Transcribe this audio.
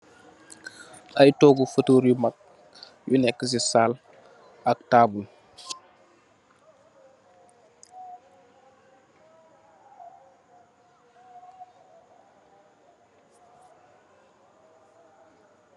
Ay tohgu fotorr yu mag ak ay tabull yu nekka ci sàl.